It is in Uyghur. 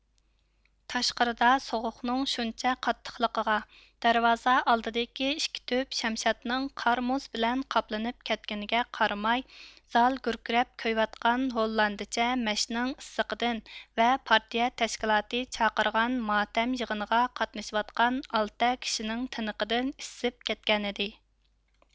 تاشقىرىدا سوغۇقنىڭ شۇنچە قاتتىقلىقىغا دەرۋازا ئالدىدىكى ئىككى تۈپ شەمشادنىڭ قار مۇز بىلەن قاپلىنىپ كەتكىنىگە قارىماي زال گۈركىرەپ كۆيۈۋاتقان ھوللاندچە مەشنىڭ ئىسسىقىدىن ۋە پارتىيە تەشكىلاتى چاقىرغان ماتەم يىغىنىغا قاتنىشىۋاتقان ئالتە كىشىنىڭ تىنىقىدىن ئىسسىپ كەتكەنىدى